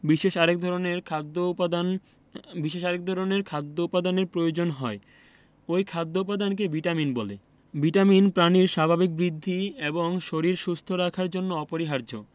বিশেষ আরেক ধরনের খাদ্য উপাদানের প্রয়োজন হয় ঐ খাদ্য উপাদানকে ভিটামিন বলে ভিটামিন প্রাণীর স্বাভাবিক বৃদ্ধি এবং শরীর সুস্থ রাখার জন্য অপরিহার্য